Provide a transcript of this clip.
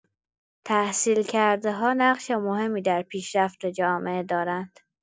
تحصیل‌کرده‌ها نقش مهمی در پیشرفت جامعه دارند.